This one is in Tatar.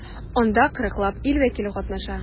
Анда 40 лап ил вәкиле катнаша.